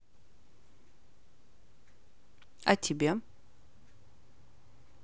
а тебе